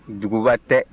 duguba tɛ